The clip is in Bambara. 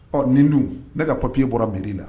Ɔ nin dun ne ka ppie bɔra miiri la